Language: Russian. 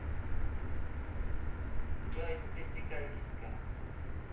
джой ну ты приколистка